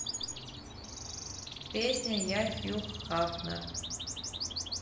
песня я хью хафнер